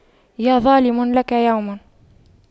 يا ظالم لك يوم